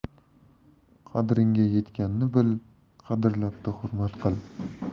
qadringga yetganni bil qadrlabdi hurmat qil